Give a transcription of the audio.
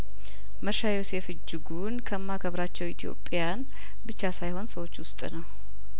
መርሻ ዮሴፍ እጅጉን ከማክበራቸው ኢትዮጵያን ብቻ ሳይሆን ሰዎች ውስጥ ነው